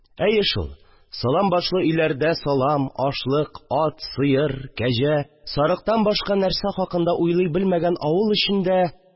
Әйе шул, салам башлы өйләрдә, салам, ашлык, ат, сыер, кәҗә, сарыктан башка нәрсә хакында уйлый белмәгән авыл эчендә